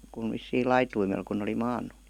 kun vissiin laitumella kun oli maannut